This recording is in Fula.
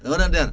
ɓe waɗa nder